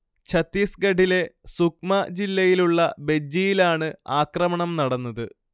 ഛത്തീസ്ഗഢിലെ സുക്മ ജില്ലയിലുള്ള ബെജ്ജിയിലാണ് ആക്രമണം നടന്നത്